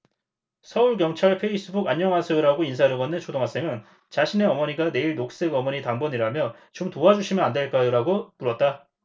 서울 경찰 페이스북안녕하세요라고 인사를 건넨 초등학생은 자신의 어머니가 내일 녹색 어머니 당번이라며 좀 도와주시면 안될까요라고 물었다